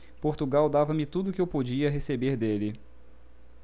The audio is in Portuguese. portugal dava-me tudo o que eu podia receber dele